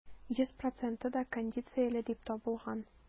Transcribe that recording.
Йөз проценты да кондицияле дип табылган.